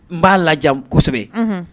N b'a la